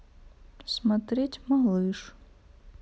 смотреть малыш